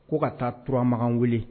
Ko ka taa turamakan wele